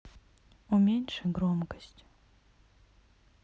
уменьши громкость